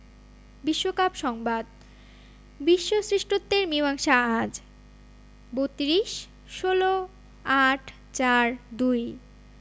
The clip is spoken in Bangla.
বিশ্বকাপ সংবাদ বিশ্ব শ্রেষ্ঠত্বের মীমাংসা আজ ৩২ ১৬ ৮ ৪ ২